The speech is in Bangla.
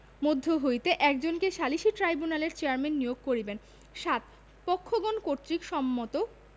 মধ্য হইতে একজনকে সালিসী ট্রাইব্যুনালের চেযারম্যান নিয়োগ করিবেন ৭ পক্ষগণ কর্তৃক সম্মত